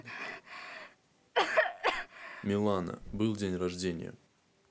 милана был день рождения